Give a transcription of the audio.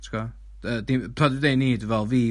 t'gwo' yy dim pan dwi'n deud ni dwi feddwl fi...